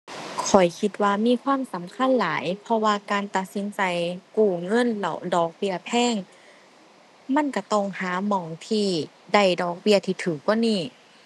ข้อยคิดว่ามีความสำคัญหลาย เพราะว่าการตัดสินใจกู้เงิน แล้วดอกเบี้ยแพง มันก็ต้องหาหม้องที่ได้ดอกเบี้ยที่ก็กว่านี้